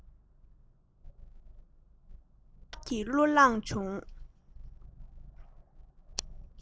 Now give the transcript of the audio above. ཁ པར གྱིས གླུ བླངས བྱུང